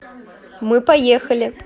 мы поехали